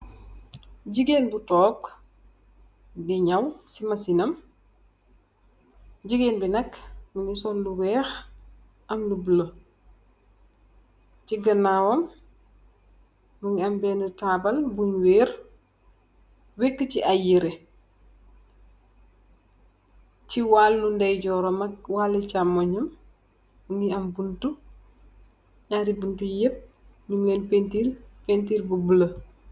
Jigaan bu tokh di nyaww si machinam, jigaan bi nak mugi sol lu weekh amm lu bulue, si ganawam mugi amm bena taabal bum weer wakasi ayy nyeereh, si waali ndeyjorr ak waali chamogne mugi amm mbuntu, nyaari mbuntu yi yepp nyugi len paintirr paintirr bu bulue.